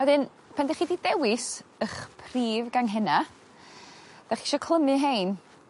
wedyn pen 'dych chi 'di dewis 'ych prif ganghenna' 'dach chi isio clymu rhein